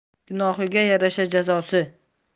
gunohiga yarasha jazosi